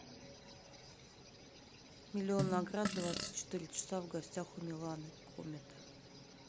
миллион наград двадцать четыре часа в гостях у меланы комета